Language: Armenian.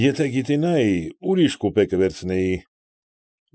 Եթե գիտենայի, ուրիշ կուպե կվերցնեի։